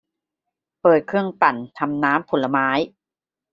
เปิดเครื่องปั่นทำน้ำผลไม้